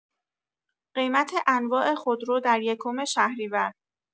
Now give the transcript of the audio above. قیمت انواع خودرو در یکم شهریور